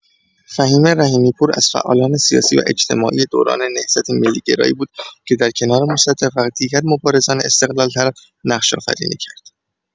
فهیمه رحیمی‌پور از فعالان سیاسی و اجتماعی دوران نهضت ملی‌گرایی بود که در کنار مصدق و دیگر مبارزان استقلال‌طلب، نقش‌آفرینی کرد.